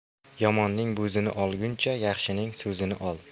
yomonning bo'zini olguncha yaxshining so'zini ol